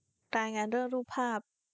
รายงานเรื่องรูปภาพ